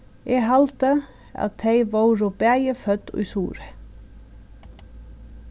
eg haldi at tey vórðu bæði fødd í suðuroy